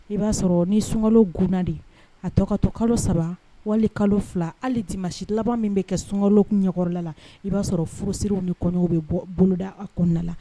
I b'a sɔrɔ ni sunkalo gna de a tɔgɔkatɔ kalo saba wali kalo fila hali te masi laban min bɛ kɛ sunkalo ɲɛla la i b'a sɔrɔ furusiw bɛ kɔɲɔw bɛ bɔ boloda a kɔnɔna la